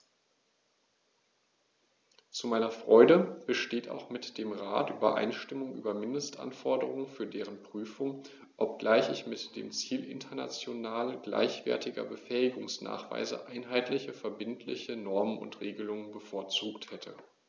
Zu meiner Freude besteht auch mit dem Rat Übereinstimmung über Mindestanforderungen für deren Prüfung, obgleich ich mit dem Ziel international gleichwertiger Befähigungsnachweise einheitliche verbindliche Normen und Regelungen bevorzugt hätte.